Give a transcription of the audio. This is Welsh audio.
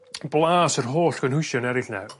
blas yr holl gynhwysion eryll 'ne